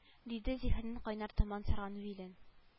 Диде зиһенен кайнар томан сарган вилен